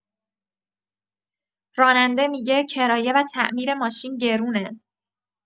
راننده می‌گه کرایه و تعمیر ماشین گرونه.